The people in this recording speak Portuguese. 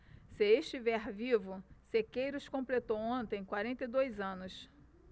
se estiver vivo sequeiros completou ontem quarenta e dois anos